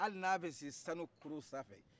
yali n'a bɛ si sanukuru sanfɛ